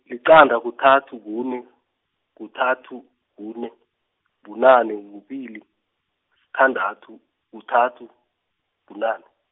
liqanda kuthathu kune, kuthathu, kune, bunane kubili, sithandathu, kuthathu, bunane.